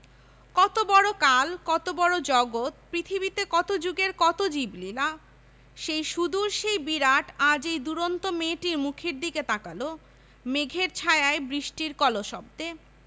কত বড় কাল কত বড় জগত পৃথিবীতে কত জুগের কত জীবলীলা সেই সুদূর সেই বিরাট আজ এই দুরন্ত মেয়েটির মুখের দিকে তাকাল মেঘের ছায়ায় বৃষ্টির কলশব্দে